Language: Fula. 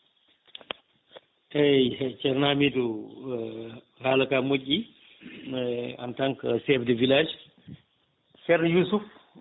eyyi ceerno Hamidou haalaka moƴƴi en tant que chef :vra de village ceerno Yousouf